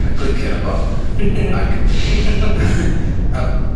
Na'i clicio ano fo ag a